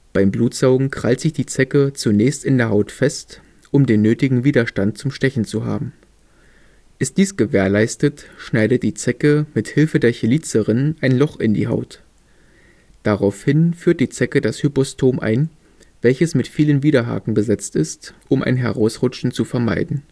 Beim Blutsaugen krallt sich die Zecke zunächst in der Haut fest, um den nötigen Widerstand zum Stechen zu haben. Ist dies gewährleistet, schneidet die Zecke mit Hilfe der Cheliceren ein Loch in die Haut. Daraufhin führt die Zecke das Hypostom ein, welches mit vielen Widerhaken besetzt ist, um ein Herausrutschen zu vermeiden